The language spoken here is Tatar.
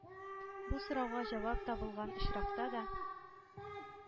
Бу сорауга җавап табылган очракта да,